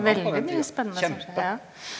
veldig mye spennende som skjer ja.